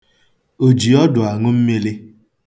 òjìọdụ̀àṅụmmīlī